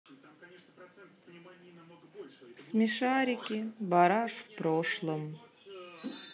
смешарики бараш в прошлом